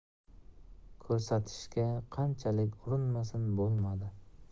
ko'rsatishga qanchalik urinmasin bo'lmadi